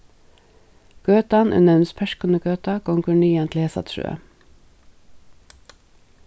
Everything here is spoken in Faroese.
gøtan ið nevnist perskonugøta gongur niðan til hesa trøð